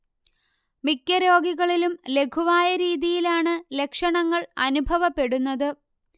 മിക്ക രോഗികളിലും ലഘുവായ രീതിയിലാണ് ലക്ഷണങ്ങൾ അനുഭവപ്പെടുന്നത്